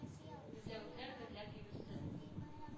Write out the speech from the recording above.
Гөрләвекләр гөрләп йөгерсен,